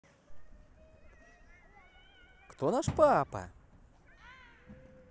кто наш папа